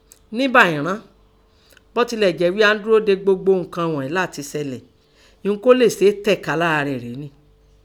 Ní báìín rán, bọ́ tiẹ̀ jẹ́ ghí i à ń dúró de gbogbo unǹkun ghọ̀nín látin sẹlẹ̀, ihun kọ́ọ léè se tẹ̀kálára rẹ rèénì